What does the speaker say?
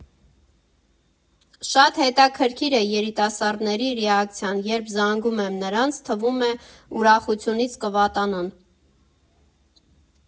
Շատ հետաքրքիր է երիտասարդների ռեակցիան, երբ զանգում եմ նրանց, թվում է՝ ուրախությունից կվատանան։